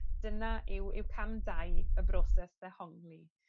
dyna yw yw cam dau y broses ddehongli.